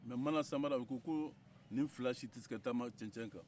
mɛ mana samara o ko ko nin fila si tɛ se ka taama cɛncɛn kan